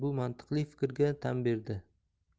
bu mantiqli fikr ga tan berdi